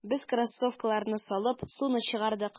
Без кроссовкаларны салып, суны чыгардык.